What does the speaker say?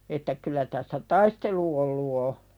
että kyllä tässä taistelu ollut on